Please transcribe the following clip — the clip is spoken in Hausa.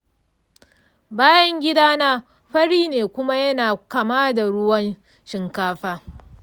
bayan gida na fari ne kuma yana kama da ruwan shinkafa.